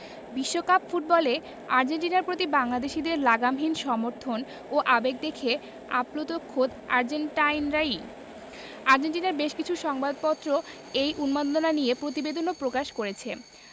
বিশ্বকাপ ফুটবলে আর্জেন্টিনার প্রতি বাংলাদেশিদের লাগামহীন সমর্থন ও আবেগ দেখে আপ্লুত খোদ আর্জেন্টাইনরাই আর্জেন্টিনার বেশ কিছু সংবাদপত্র এই উন্মাদনা নিয়ে প্রতিবেদনও প্রকাশ করেছে